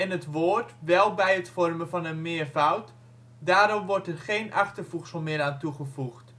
het woord wel bij het vormen van een meervoud, daarom wordt er geen achtervoegsel meer aan toegevoegd